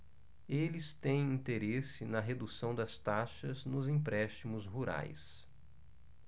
eles têm interesse na redução das taxas nos empréstimos rurais